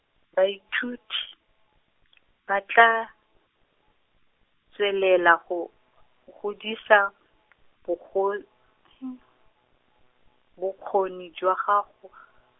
baithuti , ba tlaa, tswelela go, godisa , bogol- , bokgoni jwa gago.